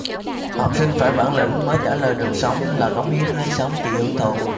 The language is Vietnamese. học sinh phải bản lĩnh mới trả lời được sống là cống hiến hay sống chỉ hưởng thụ